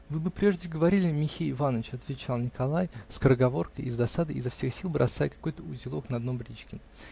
-- Вы бы прежде говорили, Михей Иваныч, -- отвечал Николай скороговоркой и с досадой, изо всех сил бросая какой-то узелок на дно брички.